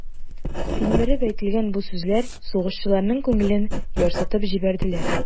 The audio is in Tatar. Тилмереп әйтелгән бу сүзләр сугышчыларның күңелен ярсытып җибәрделәр.